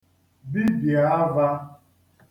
dibịà avā